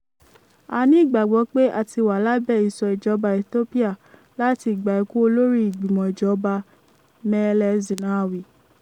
A ní ìgbàgbọ́ pé a ti wà lábẹ ìṣọ́ ìjọba Ethiopia láti ìgbà ikú Olórí Ìgbìmọ̀-ìjọba Meles Zenawi.